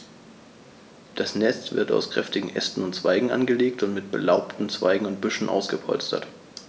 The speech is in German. Das Nest wird aus kräftigen Ästen und Zweigen angelegt und mit belaubten Zweigen und Büscheln ausgepolstert.